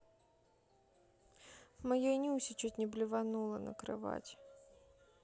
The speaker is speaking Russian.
моя нюся чуть не блеванула накрывать